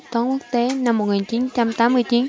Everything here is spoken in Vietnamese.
toán quốc tế năm một nghìn chín trăm tám mươi chín